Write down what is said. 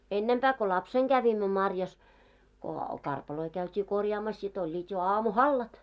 ennempää kun lapsena kävimme marjassa kun karpaloita käytiin korjaamassa sitten olivat jo aamuhallat